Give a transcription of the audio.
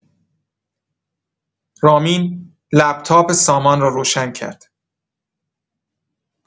رامین لپ‌تاپ سامان را روشن کرد.